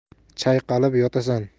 chayqalib yotasan